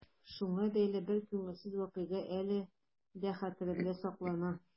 Шуңа бәйле бер күңелсез вакыйга әле дә хәтеремдә саклана.